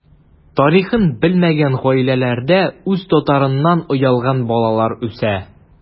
Тарихын белмәгән гаиләләрдә үз татарыннан оялган балалар үсә.